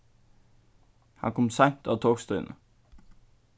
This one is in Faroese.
hann kom seint á tokstøðina